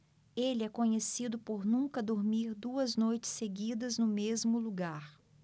ele é conhecido por nunca dormir duas noites seguidas no mesmo lugar